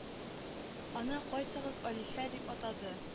Аны кайсыгыз алиһә дип атады